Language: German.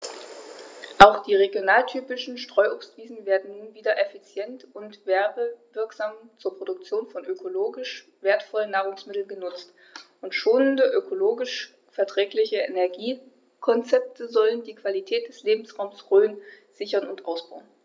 Auch die regionaltypischen Streuobstwiesen werden nun wieder effizient und werbewirksam zur Produktion von ökologisch wertvollen Nahrungsmitteln genutzt, und schonende, ökologisch verträgliche Energiekonzepte sollen die Qualität des Lebensraumes Rhön sichern und ausbauen.